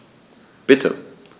Bitte.